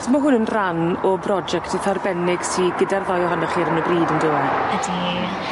So ma' hwn yn ran o broject itha arbennig sy gyda'r ddou ohonoch chi ar 'yn y bryd yndyw e? Ydi.